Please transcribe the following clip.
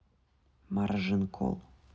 маржин колл